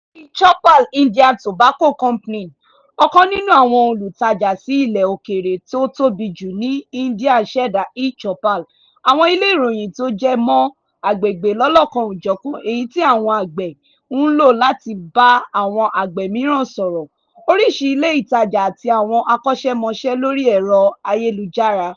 eChoupal Indian Tobacco Company, ọ̀kan nínú àwọn olùtajà sí ilẹ̀ okèèrè tó tóbi jù ní Indian ṣẹ̀da eChoupal, àwọn ilé iroyìn tó jẹ mọ́ agbègbè lọ́lọ́kan-ò-jọ̀kan èyì tí àwọn àgbẹ̀ ń lò láti bá awọ̀n àgbẹ̀ míràn sọ̀rọ̀, oríṣiríṣi ilé ìtajà àti àwọn akọ́ṣẹ́mọsẹ́ lórí ẹ̀rọ ayélujára.